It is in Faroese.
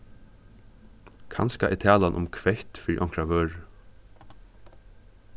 kanska er talan um kvett fyri onkra vøru